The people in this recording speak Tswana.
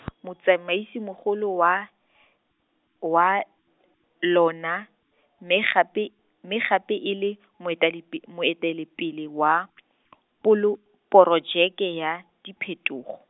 motsamaisi mogolo wa , wa, lona, mme gape, mme gape e le, moetadipe-, moeteledipele wa polo-, porojeke ya, diphetogo.